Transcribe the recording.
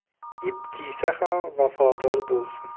ip kiysa ham vafodor bo'lsin